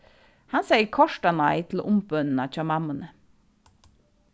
hann segði kortanei til umbønina hjá mammuni